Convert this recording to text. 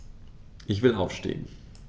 Ich will aufstehen.